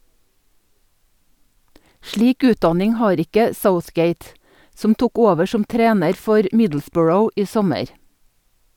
Slik utdanning har ikke Southgate, som tok over som trener for Middlesbrough i sommer.